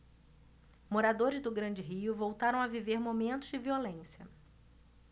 moradores do grande rio voltam a viver momentos de violência